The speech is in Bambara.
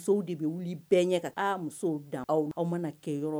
Musow de bɛ wili bɛɛ ɲɛ musow aw aw mana kɛ yɔrɔ